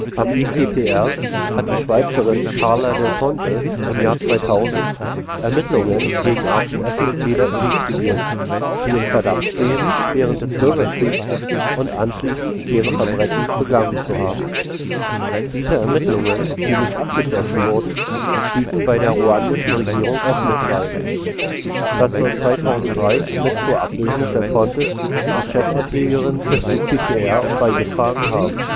Am ICTR hat die Schweizerin Carla Del Ponte im Jahr 2000 Ermittlungen gegen RPF-Mitglieder initiiert, die im Verdacht stehen, während des Bürgerkriegs und anschließend schwere Verbrechen begangen zu haben. Diese Ermittlungen, die nicht abgeschlossen wurden, stießen bei der ruandischen Regierung auf Missfallen. Das soll 2003 mit zur Ablösung del Pontes als Chefanklägerin des ICTR beigetragen haben